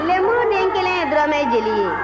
lenburu den kelen ye dɔrɔmɛ joli ye